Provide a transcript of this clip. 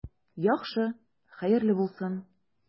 Яхшы, хәерле булсын.